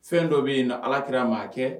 Fɛn dɔ bɛ yen alakira maa kɛ